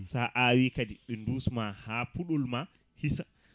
sa awi kadi ɗi dusma ha puɗolma hissa